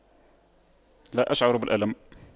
لا أشعر بالألم